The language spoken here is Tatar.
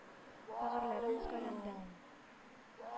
Бәгырьләрем өзгәләнде,